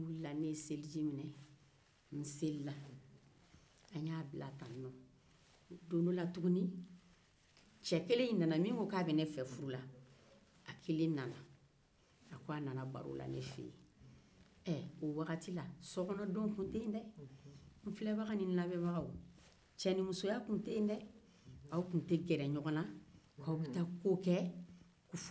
an y'a bila tan don do la tuguni min ko k'a bɛ ne fɛ furu la a kelen nana a ko a nana baro la ne fɛ o wagati la sokɔnɔdon tun tɛ yen dɛ n filɛbagaw ni n lamɛnbaga cɛnimusoya tun te yen dɛ aw tun tɛ gɛrɛ ɲɔgɔn na k'aw bɛ taa ko kɛ